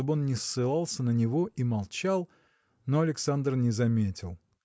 чтоб он не ссылался на него и молчал но Александр не заметил.